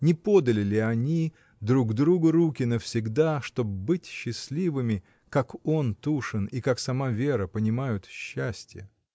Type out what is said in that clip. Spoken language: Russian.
Не подали ли они друг другу руки навсегда, чтоб быть счастливыми, как он, Тушин, и как сама Вера понимают счастье?